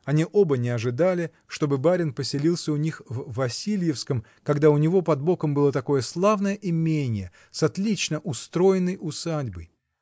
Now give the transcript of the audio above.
они оба не ожидали, чтобы барин поселился у них в Васильевском, когда у него под боком было такое славное именье с отлично устроенной усадьбой